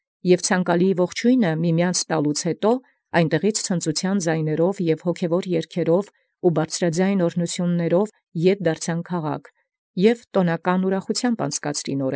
Եւ զցանկալի ողջոյնն միմեանց տուեալ, ուստի և բարբառաւք ցնծութեան և երգաւք հոգևորաւք և բարձրագոյն աւրհնութեամբք ի քաղաքն դառնային, և զաւուրս տաւնական ուրախութեամբ անցուցանէին։